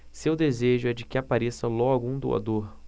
seu desejo é de que apareça logo um doador